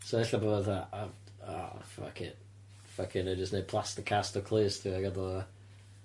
So ella bo' fo fatha, o- a- o fuck i', ffuck i' 'nai jyst neud plaster cast o clust fi ag efo...